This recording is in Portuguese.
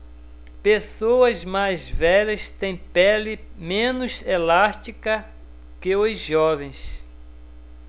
pessoas mais velhas têm pele menos elástica que os jovens